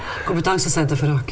kompetansesenter for rock?